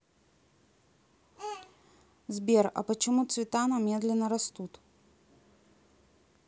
сбер а почему цветана медленно растут